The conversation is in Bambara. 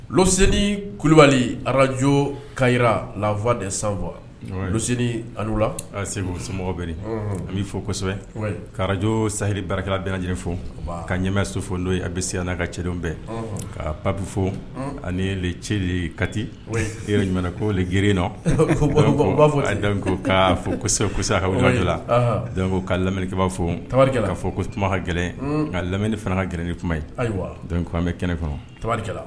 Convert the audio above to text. Snili kulubali ararazjo ka jirara lafa de sa s alila ka se somɔgɔw bɛ an bɛ fɔ kosɛbɛ kajo sayiri baarakɛladfɔ ka ɲɛmɛ so fɔ n'o a bɛ se n'a ka cɛ bɛɛ ka papi fɔ ani le ci kati jumɛn ko grin nɔn fɔ u b'a fɔ ka fɔ kosɛbɛ a kajɛla ka lamini kaba fɔ tarikɛla ka fɔ ko kuma ka gɛlɛn nka lamini fana ka gɛlɛn ni kuma ye ayiwa bɛ kɛnɛ kɔnɔ tarikɛla